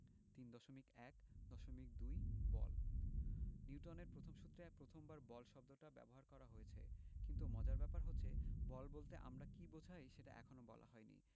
৩.১.২ বল নিউটনের প্রথম সূত্রে প্রথমবার বল শব্দটা ব্যবহার করা হয়েছে কিন্তু মজার ব্যাপার হচ্ছে বল বলতে আমরা কী বোঝাই সেটা এখনো বলা হয়নি